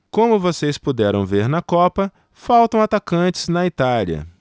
como vocês puderam ver na copa faltam atacantes na itália